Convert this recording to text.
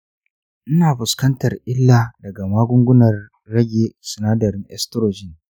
ina fuskantar illa daga magungunan rage sinadarin estrogen.